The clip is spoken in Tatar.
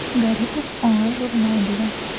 Гарипов аңа журнал бирә.